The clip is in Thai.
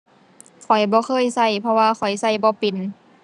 ข้อยบ่เคยใช้ เพราะว่าข้อยใช้บ่เป็น